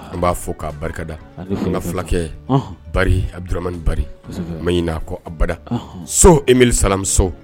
N b'a fɔ k'a barikada n ka filakɛ ba aduuramani ba ma ɲin'a ko a bada so ee salami so